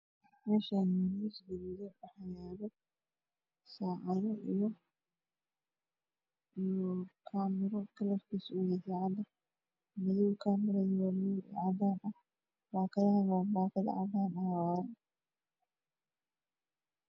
Meshaani miis gaduudan ayaa yalo sacado iyo kamiro sacada waa madow kalarkiisu umadoow iyo cadan yahay bakadaha waa bakadahana waa cadan